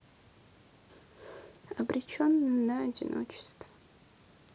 обреченная на одиночество